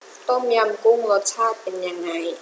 ต้มยำกุ้งรสชาติเป็นยังไง